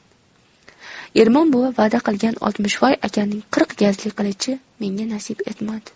ermon buva vada qilgan oltmishvoy akaning qirq gazli qilichi menga nasib etmadi